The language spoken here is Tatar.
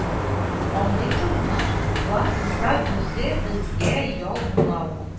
Аңлыйсызмы, план тулса, үзе безгә ял була ул